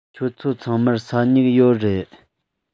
ཁྱོད ཚོ ཚང མར ས སྨྱུག ཡོད རེད